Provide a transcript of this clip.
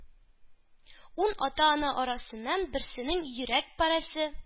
Ун ата-ана арасыннан берсенең йөрәк парәсе